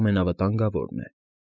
Ամենավտանգավորն է։